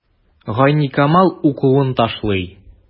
Гайникамал укуын ташлый.